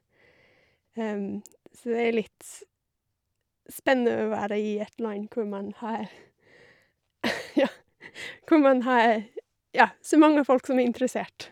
Så det er litt spennende å være i et land, hvor man har ja, hvor man har, ja, så mange folk som er interessert.